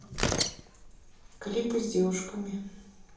клипы с девушками